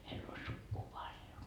meillä on sukua paljon